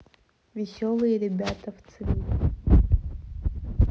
веселые ребята в цвете